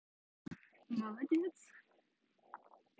молодец